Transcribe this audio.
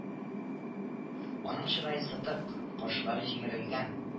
Аның чырае сытык, кашлары җимерелгән